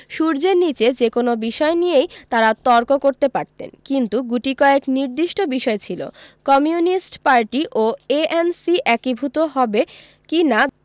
সূর্যের নিচে যেকোনো বিষয় নিয়েই তাঁরা তর্ক করতে পারতেন কিন্তু গুটিকয়েক নির্দিষ্ট বিষয় ছিল কমিউনিস্ট পার্টি ও এএনসি একীভূত হবে কি না